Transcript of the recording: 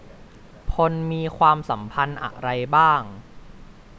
พลมีความสัมพันธ์อะไรบ้าง